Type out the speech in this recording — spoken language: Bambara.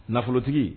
Nafolotigi